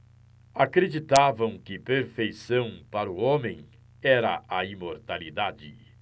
acreditavam que perfeição para o homem era a imortalidade